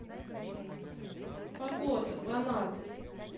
погода в анадырь